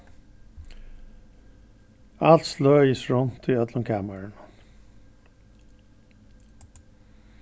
alt sløðist runt í øllum kamarinum